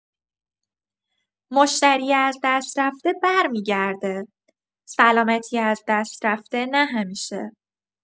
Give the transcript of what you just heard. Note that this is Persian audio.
مشتری از دست‌رفته برمی‌گرده، سلامتی از دست‌رفته نه همیشه.